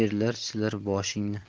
erlar silar boshingni